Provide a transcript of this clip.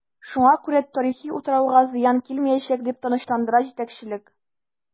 Шуңа күрә тарихи утрауга зыян килмиячәк, дип тынычландыра җитәкчелек.